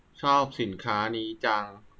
ชอบสินค้านี้จัง